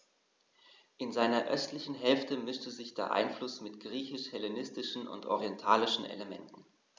In seiner östlichen Hälfte mischte sich dieser Einfluss mit griechisch-hellenistischen und orientalischen Elementen.